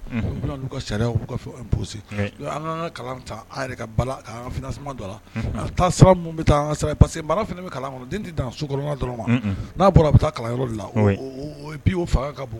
U bɛ na n'u ka sariya, u b'u fɛnw imposer . Oui. Donc an k'an ka kalan ta an yɛrɛ ka balan, ka an ka financement don a la. Oui . Taasira minnu bɛ taa an ka sira fɛ parce que mara fana bɛ kalan kɔnɔ. Den tɛ dan sokonɔn na dɔrɔn ma,. Unhun. N'a bɔra bɛ taa kalan yɔrɔ de la. Oui. Et puis o fanga ka bon.